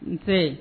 Nse